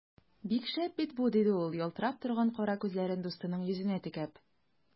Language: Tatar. Бик шәп бит бу! - диде ул, ялтырап торган кара күзләрен дустының йөзенә текәп.